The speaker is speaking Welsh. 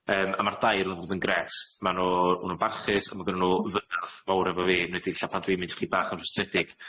Yym, a ma'r dair 'di bod yn grêt. Ma' nw- ma' nw'n barchus, a ma' gynno nw fynadd mowr efo fi, enwedig ella pan dwi'n mynd ychydig bach yn rhwystredig.